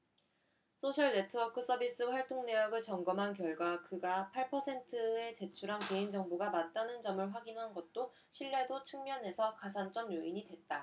소셜네트워크서비스 활동내역을 점검한 결과 그가 팔 퍼센트에 제출한 개인정보가 맞다는 점을 확인한 것도 신뢰도 측면에서 가산점 요인이 됐다